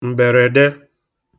m̀bèrède